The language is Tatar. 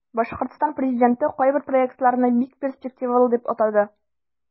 Башкортстан президенты кайбер проектларны бик перспективалы дип атады.